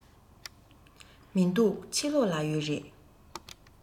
མི འདུག ཕྱི ལོགས ལ ཡོད རེད